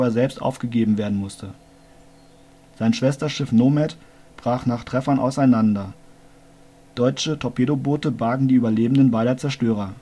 selbst aufgegeben werden musste. Sein Schwesterschiff Nomad brach nach Treffern auseinander, deutsche Torpedoboote bargen die Überlebenden beider Zerstörer